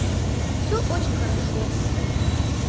все очень хорошо